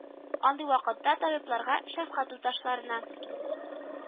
Андый вакытта табибларга, шәфкать туташларына